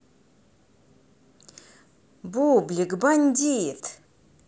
бублик бандит